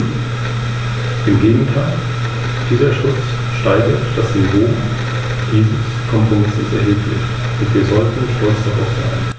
Endlich gibt es jetzt für jede Beförderungsart eine jeweilige Verordnung über Fahrgastrechte.